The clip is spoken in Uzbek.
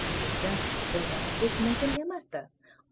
lekin o'ylamaslik mumkin emas edi